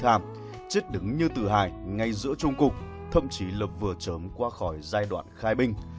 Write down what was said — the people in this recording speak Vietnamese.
chết đứng như từ hải ngay giữa trung cục thậm chí là vừa chớm qua khỏi khai binh